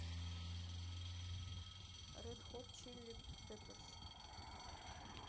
ред хот чили пеперс